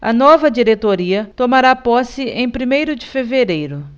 a nova diretoria tomará posse em primeiro de fevereiro